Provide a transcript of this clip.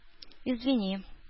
Извини